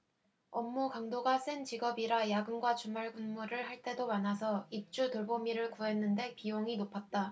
업무 강도가 센 직업이라 야근과 주말근무를 할 때도 많아서 입주돌보미를 구했는데 비용이 높았다